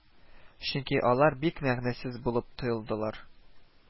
Чөнки алар бик мәгънәсез булып тоелдылар